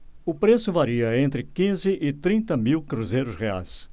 o preço varia entre quinze e trinta mil cruzeiros reais